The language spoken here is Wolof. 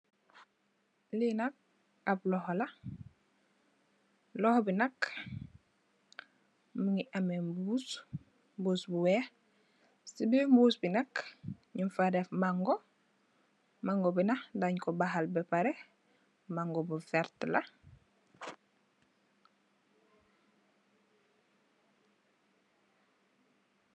Li nak ab loxo la, loxo bi nak mugii ameh mbuus, mbuus bu wèèx ci biir mbuus bi nak ñing fa dèf mango, mango bi nak dañ ko baxal be pareh mango bu werta la.